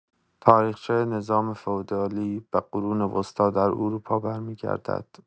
تاریخچه نظام فئودالی به قرون وسطی در اروپا برمی‌گردد.